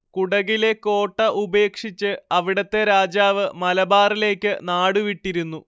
കുടകിലെ കോട്ട ഉപേക്ഷിച്ച് അവിടത്തെ രാജാവ് മലബാറിലേക്ക് നാടുവിട്ടിരുന്നു